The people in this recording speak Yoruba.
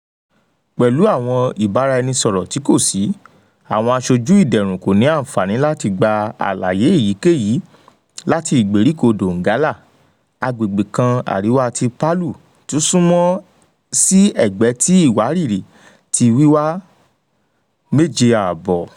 Pẹ̀lú àwọn ìbáraẹnisọ̀rọ̀ tí kò sí, àwọn aṣojú ìdẹrùn kò ní ànfàní láti gba àlàyé èyíkèyí láti ìgberíko Donggala, agbègbè kan àríwá ti Palu tí ó súnmọ́ sí ẹ̀gbẹ́ ti ìwárìrì tí wiwa 7.5.